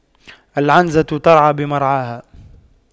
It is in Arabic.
العنزة ترعى بمرعاها